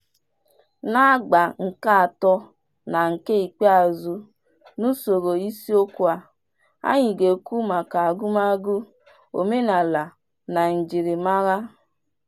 N'agba nke atọ na nke ikpeazụ n'usoro isiokwu a, anyị ga-ekwu maka agụmagụ, omenala na njirimara.